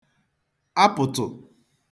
apụ̀tụ̀